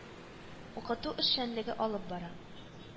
Укыту эшчәнлеге алып бара